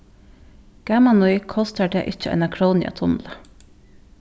gaman í kostar tað ikki eina krónu at tumla